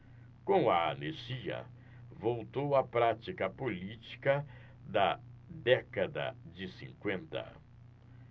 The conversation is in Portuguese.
com a anistia voltou a prática política da década de cinquenta